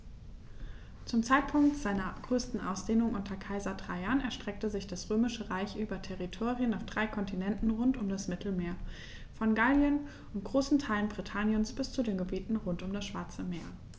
Zum Zeitpunkt seiner größten Ausdehnung unter Kaiser Trajan erstreckte sich das Römische Reich über Territorien auf drei Kontinenten rund um das Mittelmeer: Von Gallien und großen Teilen Britanniens bis zu den Gebieten rund um das Schwarze Meer.